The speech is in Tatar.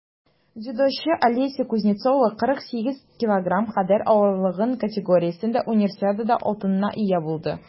Дзюдочы Алеся Кузнецова 48 кг кадәр авырлык категориясендә Универсиада алтынына ия булды.